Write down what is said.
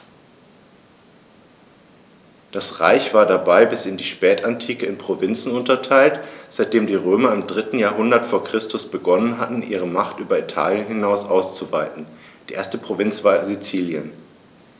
Das Reich war dabei bis in die Spätantike in Provinzen unterteilt, seitdem die Römer im 3. Jahrhundert vor Christus begonnen hatten, ihre Macht über Italien hinaus auszuweiten (die erste Provinz war Sizilien).